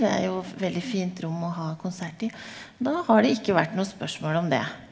det er jo veldig fint rom å ha konsert i, og da har det ikke vært noe spørsmål om det.